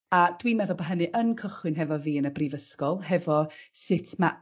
a dwi meddwl bo' hynny yn cychwyn hefo fi yn y brifysgol hefo sut ma'